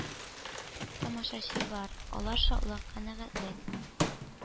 Тамашачы бар! Алар шатлык, канәгатьлек,